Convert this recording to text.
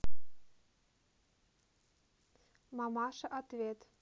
мамаша ответ